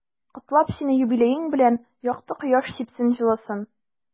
Котлап сине юбилеең белән, якты кояш сипсен җылысын.